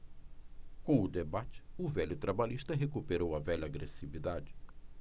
com o debate o velho trabalhista recuperou a velha agressividade